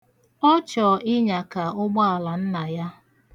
Ọ chọ ịnyaka ụgbaala nna ya.